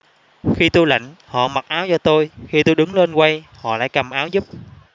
khi tôi lạnh họ mặc áo cho tôi khi tôi đứng lên quay họ lại cầm áo giúp